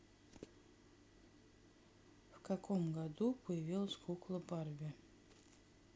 в каком году появилась кукла барби